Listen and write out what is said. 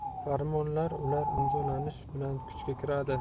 farmonlar ular imzolanishi bilan kuchga kirdi